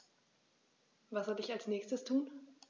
Was soll ich als Nächstes tun?